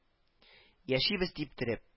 Яшибез, типтереп